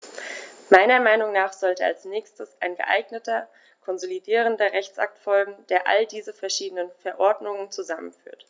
Meiner Meinung nach sollte als nächstes ein geeigneter konsolidierender Rechtsakt folgen, der all diese verschiedenen Verordnungen zusammenführt.